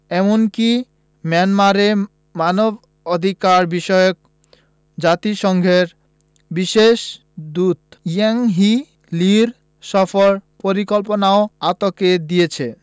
এমনকি মিয়ানমারে মানবাধিকারবিষয়ক জাতিসংঘের বিশেষ দূত ইয়াংহি লির সফর পরিকল্পনাও আটকে দিয়েছে